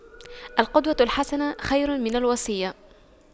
القدوة الحسنة خير من الوصية